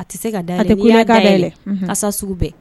A tɛ se ka dayɛlɛn, n'i y'a dayɛlɛn kasa sugu bɛɛ